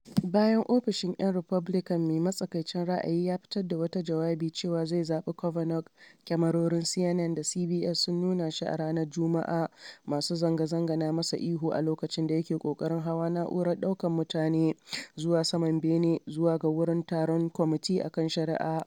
Bayan ofishin ‘yan Republican mai matsakaicin ra’ayi ya fitar da wata jawabi cewa zai zaɓi Kavanaugh, kyamarorin CNN da CBS sun nuna shi a ranar Jumu’a masu zanga-zanga na masa ihu a loƙacin da yake ƙoƙarin hawa na’urar ɗaukan mutane zuwa saman bene zuwa ga wurin taron Kwamiti a kan Shari’a.